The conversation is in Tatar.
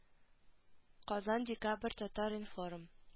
Казан декабрь татар информ